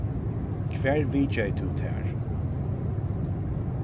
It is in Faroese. hvar vitjaði tú tær